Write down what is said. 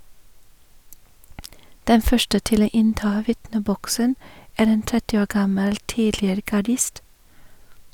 Den første til å innta vitneboksen er en 30 år gammel tidligere gardist.